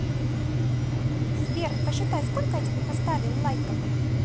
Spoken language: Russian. сбер посчитай сколько я тебе поставил лайков